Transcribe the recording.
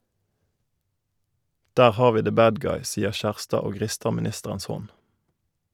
- Der har vi the bad guy, sier Kjærstad og rister ministerens hånd.